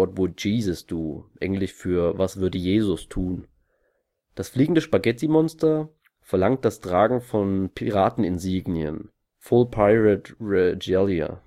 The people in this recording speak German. would Jesus do? “, englisch für „ Was würde Jesus tun? “). Das Fliegende Spaghettimonster verlangt das Tragen von Pirateninsignien (full pirate regalia